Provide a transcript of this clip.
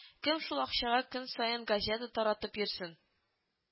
Кем шул акчага көн саен газета таратып йөрсен